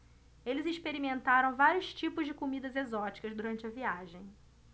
eles experimentaram vários tipos de comidas exóticas durante a viagem